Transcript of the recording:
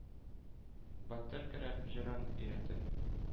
Батыр көрәп: җырын өйрәтеп,